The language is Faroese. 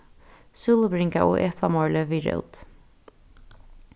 súlubringa og eplamorli við rót